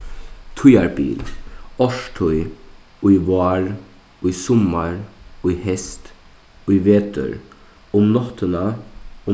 tíðarbil árstíð í vár í summar í heyst í vetur um náttina